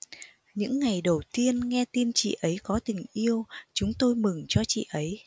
những ngày đầu tiên nghe tin chị ấy có tình yêu chúng tôi mừng cho chị ấy